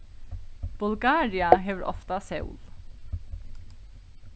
bulgaria hevur ofta sól